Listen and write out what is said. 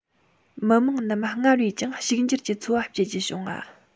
མི དམངས རྣམས སྔར བས ཀྱང ཕྱུག འགྱུར གྱི འཚོ བ སྐྱེལ རྒྱུ བྱུང བ